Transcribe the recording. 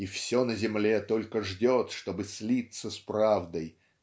и все на земле только ждет чтобы слиться с правдой